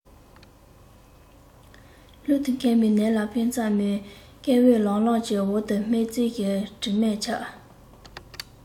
ལྷག ཏུ མཁལ མའི ནད ལ ཕན མཚན མོར སྐར འོད ལམ ལམ གྱི འོག ཏུ སྨན རྩྭའི དྲི མས ཁྱབ